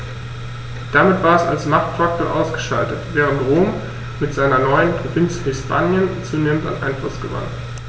Damit war es als Machtfaktor ausgeschaltet, während Rom mit seiner neuen Provinz Hispanien zunehmend an Einfluss gewann.